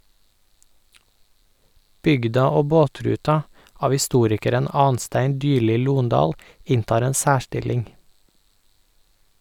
"Bygda og båtruta" av historikeren Anstein Dyrli Lohndal inntar en særstilling.